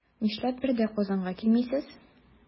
Нишләп бер дә Казанга килмисез?